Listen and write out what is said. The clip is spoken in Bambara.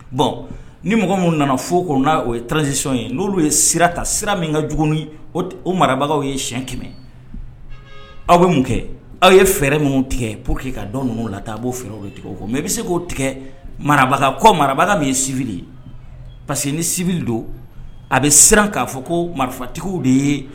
Bɔn ni mɔgɔ minnu nana fo ko' o ye taarazsi ye n' ye sira ta sira min ka j o marabagawkaw ye siyɛn kɛmɛ aw bɛ mun kɛ aw ye fɛɛrɛ min tigɛ po que ka dɔn ninnu la taa b' fɛɛrɛ tigɛ o mɛ bɛ se k'o tigɛ marabaga kɔ marabaga min ye siv ye parce que ni sibi don a bɛ siran k'a fɔ ko marifatigiww de ye